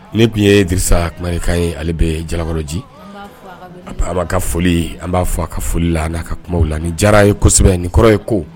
Ne tun ye disa kumakan ye ale bɛ jalakɔrɔji a ka foli an b'a fɔ a ka foli la' kumaw la ni jara ye kosɛbɛ nin kɔrɔ ye ko